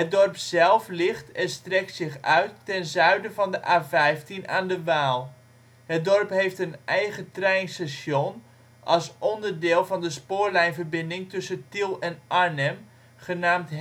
dorp zelf ligt en strekt zich uit ten zuiden van de A15 aan de Waal. Het dorp heeft een eigen treinstation, als onderdeel van de spoorlijnverbinding tussen Tiel en Arnhem, genaamd Hemmen-Dodewaard